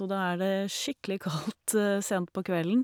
Og da er det skikkelig kaldt sent på kvelden.